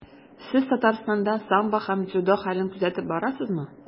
Сез Татарстанда самбо һәм дзюдо хәлен күзәтеп барасызмы?